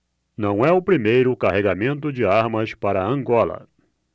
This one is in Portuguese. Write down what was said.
não é o primeiro carregamento de armas para angola